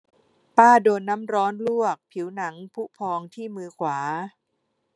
ป้าโดนน้ำร้อนลวกผิวหนังพุพองที่มือขวา